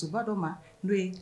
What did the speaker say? Suba dɔ ma no ye